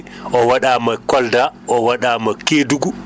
o waɗaama Kolda o waɗaama Kédougou